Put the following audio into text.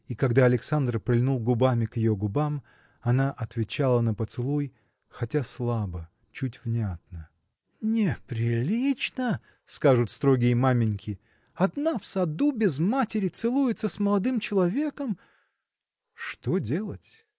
и когда Александр прильнул губами к ее губам она отвечала на поцелуй хотя слабо чуть внятно. Неприлично! – скажут строгие маменьки – одна в саду без матери целуется с молодым человеком! Что делать!